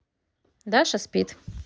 даша спит